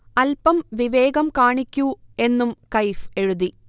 'അൽപം വിവേകം കാണിക്കൂ' എന്നും കയ്ഫ് എഴുതി